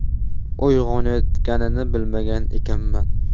uyg'onayotganini bilmagan ekanman